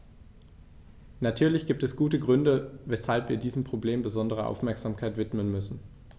Natürlich gibt es gute Gründe, weshalb wir diesem Problem besondere Aufmerksamkeit widmen müssen.